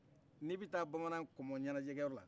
n'i bɛ taa bamana komo ɲanajɛ kɛyɔrɔ la